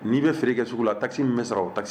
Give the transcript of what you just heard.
N'i bɛ feere kɛ sugu la tasi m sara o ta